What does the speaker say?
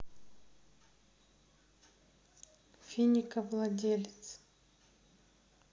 финика владелец